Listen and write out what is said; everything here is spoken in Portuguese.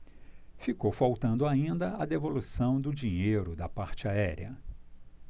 ficou faltando ainda a devolução do dinheiro da parte aérea